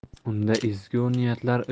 unda ezgu niyatlar